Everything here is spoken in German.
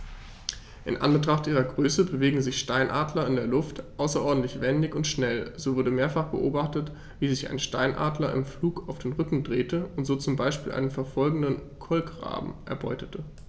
In Anbetracht ihrer Größe bewegen sich Steinadler in der Luft außerordentlich wendig und schnell, so wurde mehrfach beobachtet, wie sich ein Steinadler im Flug auf den Rücken drehte und so zum Beispiel einen verfolgenden Kolkraben erbeutete.